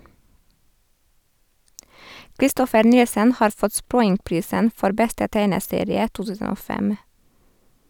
Christopher Nielsen har fått Sproingprisen for beste tegneserie 2005.